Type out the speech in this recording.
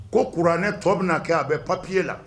Ko kuran ne tɔ bɛ na kɛ a bɛ papiye la